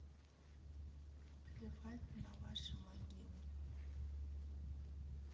плевать на ваши могилы